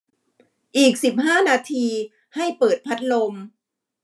อีกสิบห้านาทีให้เปิดพัดลม